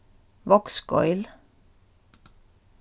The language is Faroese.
vágsgeil